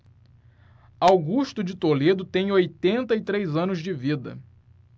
augusto de toledo tem oitenta e três anos de vida